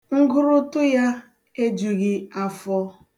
Ngụrụtụ ya ejughi afọ.